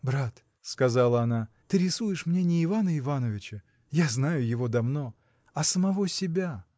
— Брат, — сказала она, — ты рисуешь мне не Ивана Ивановича: я знаю его давно, — а самого себя.